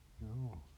juu